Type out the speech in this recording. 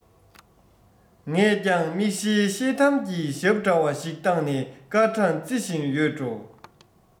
ངས ཀྱང མིག ཤེལ ཤེལ དམ གྱི ཞབས འདྲ བ ཞིག བཏགས ནས སྐར གྲངས རྩི བཞིན ཡོད འགྲོ